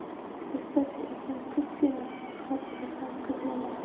izzat tilasang ko'p dema sihat tilasang ko'p yema